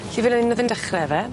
Felly fyn 'yn o'dd e'n dechre yfe?